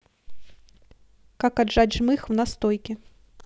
как отжать жмых в настойке